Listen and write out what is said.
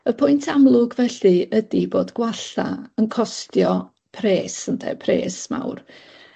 Y pwynt amlwg, felly, ydi bod gwalla yn costio pres, ynde, pres mawr.